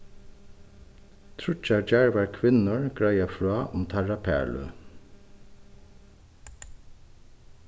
tríggjar djarvar kvinnur greiða frá um teirra parløg